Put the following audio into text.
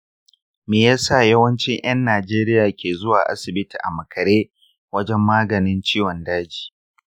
me ya sa yawancin ’yan najeriya ke zuwa asibiti a makare wajen maganin ciwon daji?